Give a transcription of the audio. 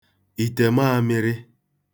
ìtèmaāmị̄rị̄